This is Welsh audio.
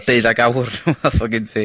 deuddag awr fath o gen ti.